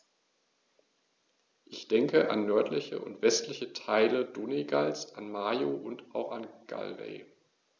Ich denke an nördliche und westliche Teile Donegals, an Mayo, und auch Galway.